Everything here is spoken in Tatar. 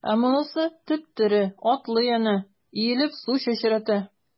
Ә монысы— теп-тере, атлый әнә, иелеп су чәчрәтә.